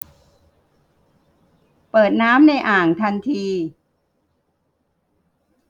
เปิดน้ำในอ่างทันที